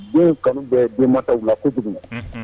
Den kalo bɛ den matawula ko kojugu